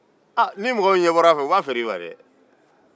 ni mɔgɔ min ɲɛbɔra a fɛ u b'a feere i ma dɛ